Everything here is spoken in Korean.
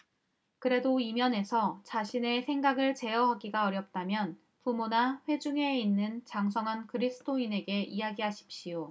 그래도 이 면에서 자신의 생각을 제어하기가 어렵다면 부모나 회중에 있는 장성한 그리스도인에게 이야기하십시오